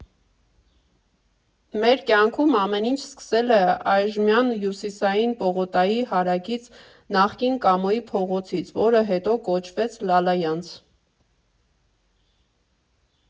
Մեր կյանքում ամեն ինչ սկսել է այժմյան Հյուսիսային պողոտայի հարակից՝ նախկին Կամոյի փողոցից, որը հետո կոչվեց Լալայանց։